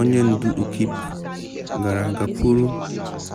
Onye ndu Ukip gara aga kwuru